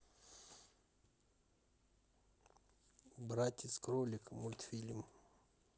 братец кролик мультфильм